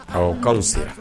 Ɔ' sera